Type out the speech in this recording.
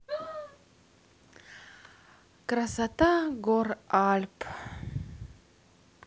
красота гор альп